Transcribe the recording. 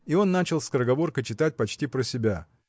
И он начал скороговоркой читать, почти про себя